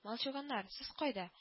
Мальчуганнар, сез кая